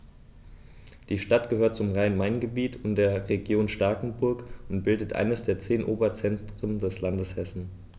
Die Stadt gehört zum Rhein-Main-Gebiet und der Region Starkenburg und bildet eines der zehn Oberzentren des Landes Hessen.